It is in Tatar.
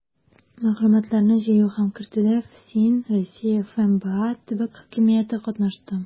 Мәгълүматларны җыю һәм кертүдә ФСИН, Россия ФМБА, төбәк хакимияте катнашты.